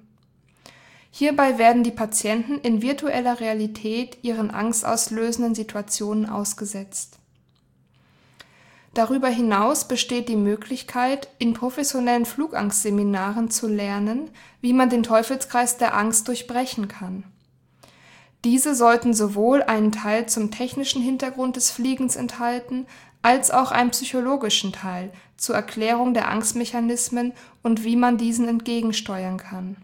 Hierbei werden die Patienten in virtueller Realität ihren angstauslösenden Situation ausgesetzt. Darüber hinaus besteht die Möglichkeit, in professionellen Flugangstseminaren zu lernen, wie man den Teufelskreis der Angst durchbrechen kann. Diese sollten sowohl einen Teil zum technischen Hintergrund des Fliegens, als auch einen psychologischen Teil zu Erklärung der Angstmechanismen und wie man diesen entgegen steuern kann